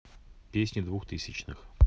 песни двухтысячных